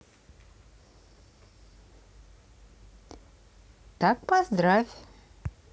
так поздравь